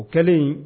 O kɛlen